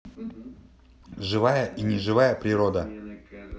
живая и не живая природа